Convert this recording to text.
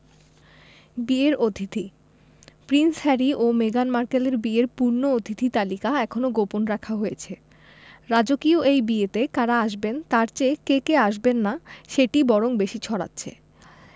বিয়ের অতিথি Prince Harry ও মেগান মার্কেলের বিয়ের পূর্ণ অতিথি তালিকা এখনো গোপন রাখা হয়েছে রাজকীয় এই বিয়েতে কারা আসবেন তার চেয়ে কে কে আসবেন না সেটিই বরং বেশি ছড়াচ্ছে